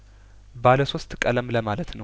ባለሶስት ቀለም ለማለት ነው